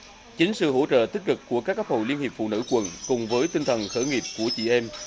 chính sự hỗ trợ tích cực của các cấp hội liên hiệp phụ nữ quận cùng với tinh thần khởi nghiệp của chị em